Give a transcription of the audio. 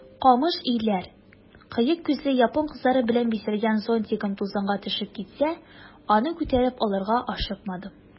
Камыш өйләр, кыек күзле япон кызлары белән бизәлгән зонтигым тузанга төшеп китсә, аны күтәреп алырга ашыкмадым.